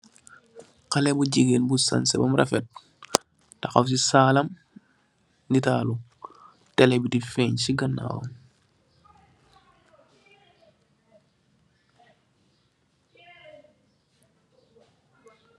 Xaleh bu jigeen bu sanseh beem refet taxaw ci sal lam netalu tele bi de feen ci ganawam.